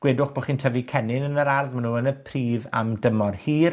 Gwedwch bo' chi'n tyfu cennin yn yr ardd, my' nw yn y pridd am dymor hir.